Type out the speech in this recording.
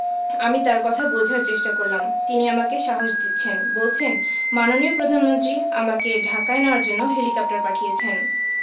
আমি তার কথা বোঝার চেষ্টা করলাম তিনি আমাকে সাহস দিচ্ছেন বলছেন মাননীয় প্রধানমন্ত্রী আমাকে ঢাকায় নেওয়ার জন্য হেলিকপ্টার পাঠিয়েছেন